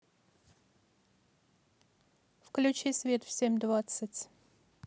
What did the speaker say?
включи свет в семь двадцать